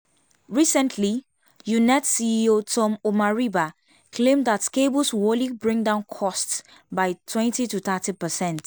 Recently UUnet CEO Tom Omariba claimed that cables will only bring down costs by 20-30 percent.